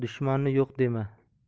dushmanni yo'q dema